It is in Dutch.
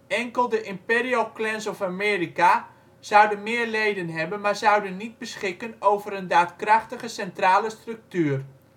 Enkel de " Imperial Klans of America " zouden meer leden hebben maar zouden niet beschikken over een daadkrachtige centrale structuur